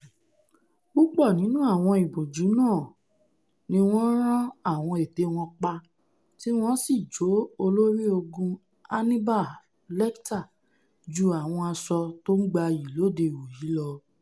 Púpọ̀ nínú àwọn ìbòjú náà niwọ́n rán àwọn ètè wọn pa ti wọ́n sì jọ Olóri-ogun Hannibal Lecter ju àwọn asọ tó ńgbayì lóde ìwòyí lọ.